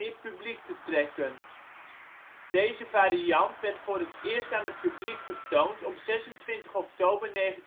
publiek te trekken. Deze variant werd voor het eerst aan het publiek getoond op 26 oktober 1959